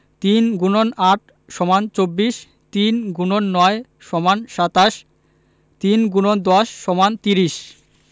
৩ X ৮ = ২৪ ৩ X ৯ = ২৭ ৩ ×১০ = ৩০